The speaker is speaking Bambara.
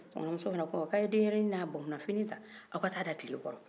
tunkaramuso fana ko ɔɔ a ye denyɛrɛnin ni a bamunafini ta aw ka taa da tile kɔrɔ